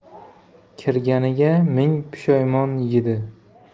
kirganiga ming pushaymon yedi